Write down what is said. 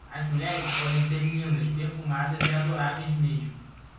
as mulheres podem ser lindas perfumadas e adoráveis mesmo